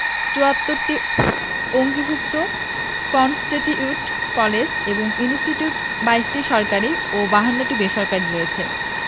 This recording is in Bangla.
৭৪টি অঙ্গীভুত কন্সটিটিউয়েন্ট কলেজ ও ইনস্টিটিউট ২২টি সরকারি ও ৫২টি বেসরকারি রয়েছে